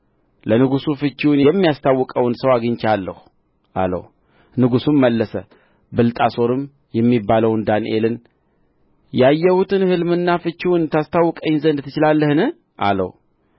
ለንጉሡ ፍቺውን የሚያስታውቀውን ሰው አግኝቼአለሁ አለው ንጉሡም መለሰ ብልጣሶርም የሚባለውን ዳንኤልን ያየሁትን ሕልምና ፍቺውን ታስታውቀኝ ዘንድ ትችላለህን አለው